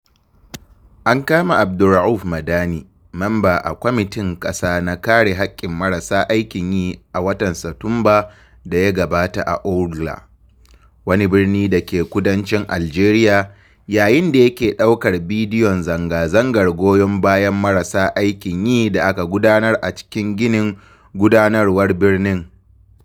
An kama Abderaouf Madani, memba a kwamitin ƙasa na kare haƙƙin marasa aikin yi a watan Satumban da ya gabata a Ouargla, wani birni dake kudancin Aljeriya, yayin da yake ɗaukar bidiyon zanga-zangar goyon bayan marasa aikin yi da aka gudanar a cikin ginin gudanarwar birnin.